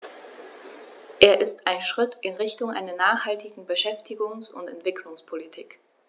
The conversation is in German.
Er ist ein Schritt in Richtung einer nachhaltigen Beschäftigungs- und Entwicklungspolitik.